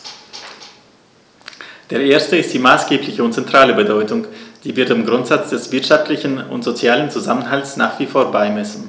Der erste ist die maßgebliche und zentrale Bedeutung, die wir dem Grundsatz des wirtschaftlichen und sozialen Zusammenhalts nach wie vor beimessen.